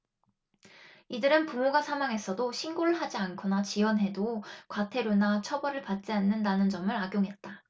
이들은 부모가 사망했어도 신고를 하지 않거나 지연해도 과태료나 처벌을 받지 않는다는 점을 악용했다